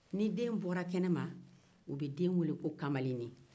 nin den bɔra kɛnɛman u bɛ den weele ko kamalennin